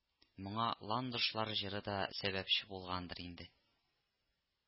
Моңа ландышлар җыры да сәбәпче булгандыр инде